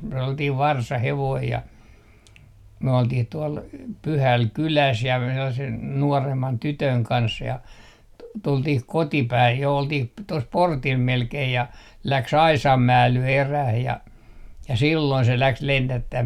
sellainen varsahevonen ja me oltiin tuolla pyhällä kylässä ja sellaisen nuoremman tytön kanssa ja - tultiin kotiin päin jo oltiin - tuossa portilla melkein ja lähti aisan määly erään ja ja silloin se lähti lennättämään